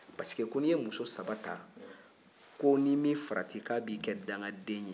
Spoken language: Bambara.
parce que ko n'i ye muso saba ta ko ni i m'i farati ko a bɛ i kɛ dangaden ye